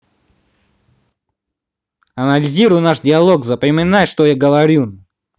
анализируй наш диалог запоминай что я говорю